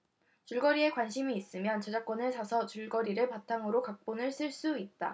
줄거리에 관심이 있으면 저작권을 사서 줄거리를 바탕으로 각본을 쓸 수 있다